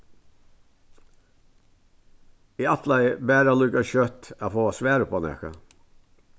eg ætlaði bara líka skjótt at fáa svar upp á nakað